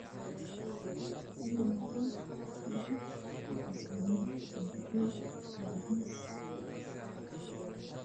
Meeshan waa qol waxaa yaalla miis miiska midabkiisa waa ka t v u muuqdaa midabkiisana madow